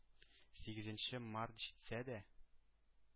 Сигезенче март җитсә дә,